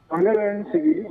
An kɛlen i sigi